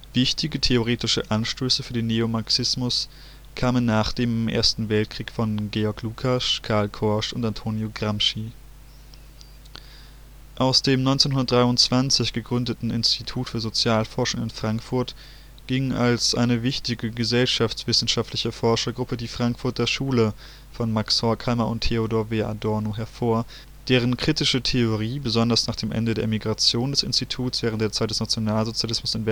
Wichtige theoretische Anstöße für den Neomarxismus kamen nach dem Ersten Weltkrieg von Georg Lukács, Karl Korsch und Antonio Gramsci. Aus dem 1923 gegründete Institut für Sozialforschung in Frankfurt ging als eine wichtige gesellschaftswissenschaftliche Forschergruppe die Frankfurter Schule von Max Horkheimer und Theodor W. Adorno hervor, deren Kritische Theorie besonders nach dem Ende der Emigration des Instituts während der Zeit des Nationalsozialismus in Westdeutschland